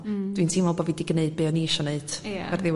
hmm dwi'n teimlo bo' fi 'di gneud be oni isio neud